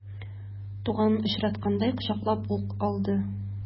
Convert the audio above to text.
Туганын очраткандай кочаклап ук алды.